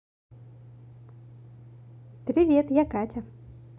привет я катя